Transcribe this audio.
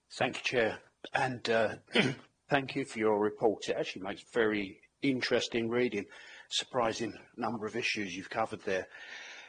Thank you chair and yy thank you for your report it actually makes very interesting reading surprising number of issues you've covered there.